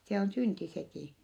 se on synti sekin